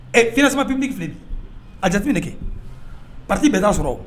Ɛ f saba pe filɛ bi a jate de kɛ pati bɛɛ' sɔrɔ